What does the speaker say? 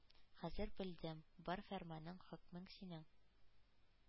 Хәзер белдем, бар фәрманың, хөкмең синең